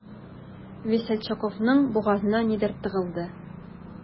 Весельчаковның бугазына нидер тыгылды.